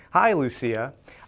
hai rù xi